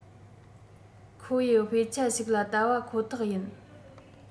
ཁོ ཡི དཔེ ཆ ཞིག ལ བལྟ བ ཁོ ཐག ཡིན